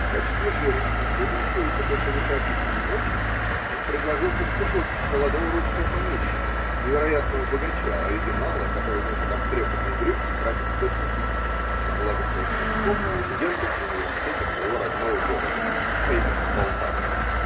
в качестве жиры на следующее утро после вышеописанной ночи он предложил купцу подпись молодого русского помещика, невероятного богача, оригинала, который носит обтрепанные брюки и тратит сотни тысяч на благо своих мужиков и студентов в университете своего родного города, а именно Полтавы.